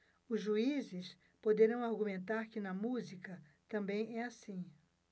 os juízes poderão argumentar que na música também é assim